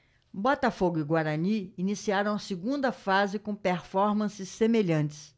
botafogo e guarani iniciaram a segunda fase com performances semelhantes